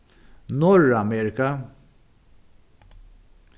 norðuramerika